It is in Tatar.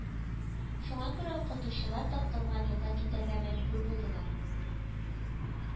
Шуңа күрә укытучылар тапталган юлдан китәргә мәҗбүр булдылар